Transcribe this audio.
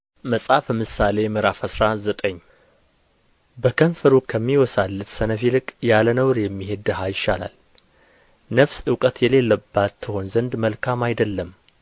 መጽሐፈ ምሳሌ ምዕራፍ አስራ ዘጠኝ በከንፈሩ ከሚወሳልት ሰነፍ ይልቅ ያለ ነውር የሚሄድ ድሀ ይሻላል ነፍስ እውቀት የሌለባት ትሆን ዘንድ መልካም አይደለም